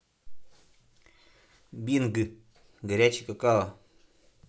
бинг горячий какао